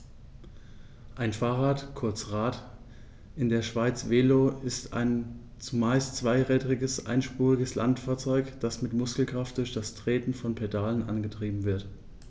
Ein Fahrrad, kurz Rad, in der Schweiz Velo, ist ein zumeist zweirädriges einspuriges Landfahrzeug, das mit Muskelkraft durch das Treten von Pedalen angetrieben wird.